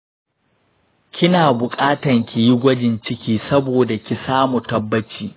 kina buƙatan kiyi gwajin ciki saboda ki samu tabbaci.